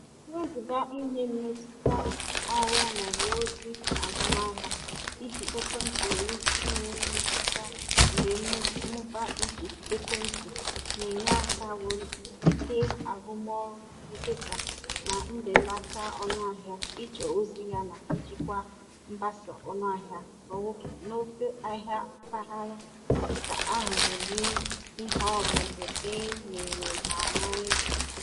Wezuga inye mmetụta ahịa/ozi azụmahịa iji ekwentị nwere ike inwe mmetụta mgbe mmụba iji ekwentị na-enye aka wulite arụmọrụ nkesa na mbelata ọnụahịa ịchọ ozi yana ijikwa mgbasa ọnụahịa n'ofe ahịa mpaghara, dịka a hụrụ n'iheọmụmụ e mere na Niger.